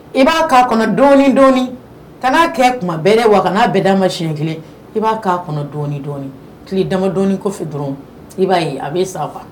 I b'a'a kɔnɔ dɔɔnini dɔi ka n'a kɛ kuma bɛɛɛ wa ka n'a bɛɛ dama ma siɲɛ kelen i b'a'a kɔnɔ dɔ dɔi ki damadɔifi dɔrɔn i b'a ye a bɛ sa faga